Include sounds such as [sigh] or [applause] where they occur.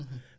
[hesitation] [hesitation]